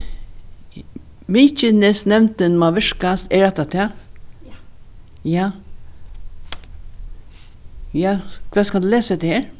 mykinesnevndin má virkast er hatta tað ja ja hvat skal eg lesa hetta her